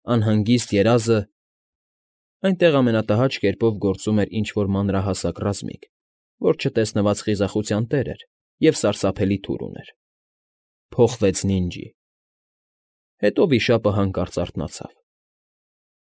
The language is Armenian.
Անհանգիստ երազը (այնտեղ ամենատհաճ կերպով գործում էր ինչ֊որ մանրահասակ ռազմիկ, որ չտեսնված կերպով խիզոխաության տեր էր և սարսափելի թուր ուներ) փոխվեց նինջի, հետո վիշապը հանկարծ արթնացավ։